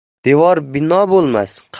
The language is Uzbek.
devor bino bo'lmas qari